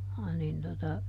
niin tuota